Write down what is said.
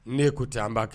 Ne ko ten an ba kɛ.